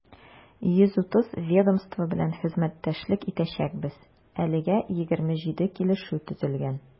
130 ведомство белән хезмәттәшлек итәчәкбез, әлегә 27 килешү төзелгән.